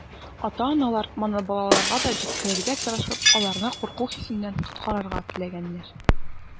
Ата-аналар, моны балаларга да җиткерергә тырышып, аларны курку хисеннән коткарырга теләгәннәр.